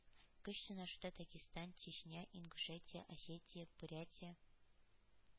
Көч сынашуда Дагестан, Чечня, Ингушетия, Осетия, Бурятия,